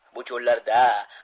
bu cho'llarda